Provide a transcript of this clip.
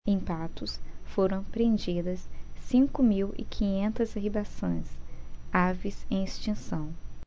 em patos foram apreendidas cinco mil e quinhentas arribaçãs aves em extinção